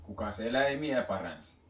kukas eläimiä paransi